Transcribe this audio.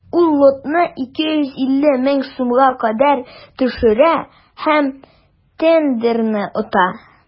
Ул лотны 250 мең сумга кадәр төшерә һәм тендерны ота.